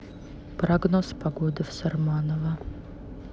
прогноз погоды в сарманово